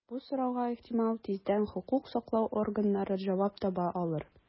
Бу сорауга, ихтимал, тиздән хокук саклау органнары җавап таба алыр.